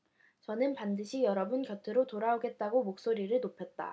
저는 반드시 여러분 곁으로 돌아오겠다고 목소리를 높였다